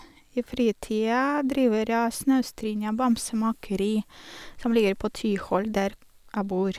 I fritida driver jeg Snaustrinda Bamsemakeri, som ligger på Tyholt, der jeg bor.